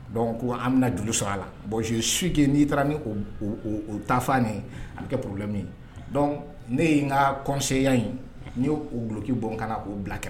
Dɔnku ko an bɛ juru sɔrɔ a la bozo suke n'i taara nitafa nin a bɛ kɛ porolɛ min dɔn ne ye n ka kɔsenya in n'i y'oloki bɔ ka na'o bila kɛ